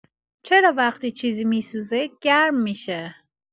چرا وقتی چیزی می‌سوزه گرم می‌شه؟